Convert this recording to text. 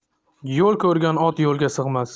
yo'l ko'rgan ot yo'lga sig'mas